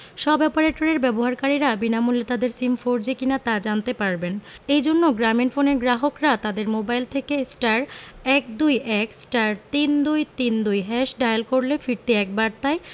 সব অপারেটরের ব্যবহারকারীরা বিনামূল্যে তাদের সিম ফোরজি কিনা তা জানতে পারবেন এ জন্য গ্রামীণফোনের গ্রাহকরা তাদের মোবাইল থেকে *১২১*৩২৩২# ডায়াল করলে ফিরতি এক বার্তায়